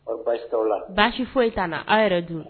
Basi aw la baasi foyi ka na aw yɛrɛ don